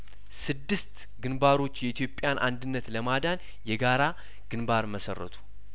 ስድስት ግንባሮች የኢትዮጵያን አንድነት ለማዳን የጋራ ግንባር መሰረቱ